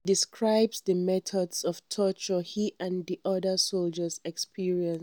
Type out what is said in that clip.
He describes the methods of torture he and other soldiers experienced: